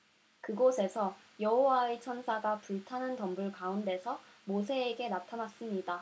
그곳에서 여호와의 천사가 불타는 덤불 가운데서 모세에게 나타났습니다